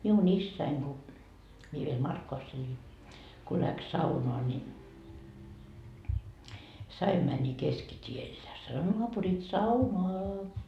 minun isäni kun minä vielä Markkovassa elin kun lähti saunaan niin se aina meni keskitielle ja sanoi naapurit saunaan